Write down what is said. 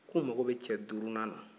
k'u mago bɛ cɛ duurunan na